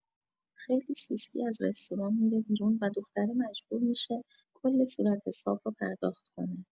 خیلی سوسکی از رستوران می‌ره بیرون و دختره مجبور می‌شه کل صورتحساب رو پرداخت کنه!